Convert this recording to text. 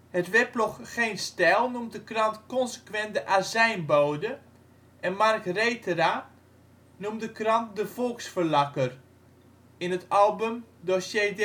Het weblog GeenStijl noemt de krant consequent de Azijnbode en Mark Retera noemt de krant " de Volksverlakker " (in het album " Dossier DirkJan